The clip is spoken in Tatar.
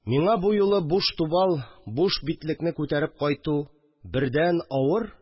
Миңа бу юлы буш тубал, буш битлекне күтәреп кайту бердән авыр